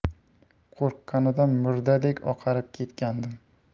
qo'rqqanidan murdadek oqarib ketgandim